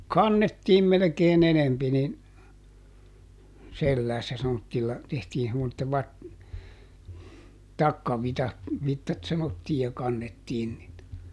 kannettiin melkein enempi niin selässä semmoisilla tehtiin semmoiset - takkavitsat vitsat sanottiin ja kannettiin niitä